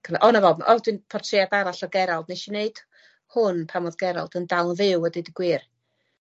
cy-... O 'na fo o dwi'n... Portread arall o Gerald nesh i neud hwn pan odd Gerald yn dal yn fyw a deud y gwir.